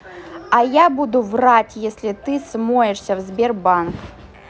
а я буду врать если ты смоешься в сбербанк